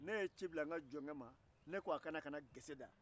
ne ye ci bila n ka jɔkɛ ma k'a ka na gese da